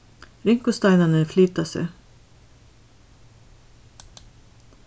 rinkusteinarnir flyta seg